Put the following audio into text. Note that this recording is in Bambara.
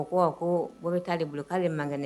A ko ko bolo t'a de boloko de manɛnɛ